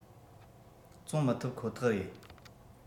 བཙོང མི ཐུབ ཁོ ཐག རེད